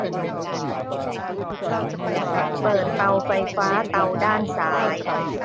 เปิดเตาไฟฟ้าเตาด้านซ้าย